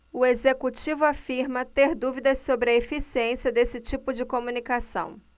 o executivo afirma ter dúvidas sobre a eficiência desse tipo de comunicação